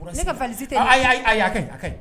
Ka tɛ y'a kɛ a ka